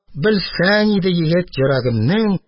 Белсәң иде, егет, йөрәгемнең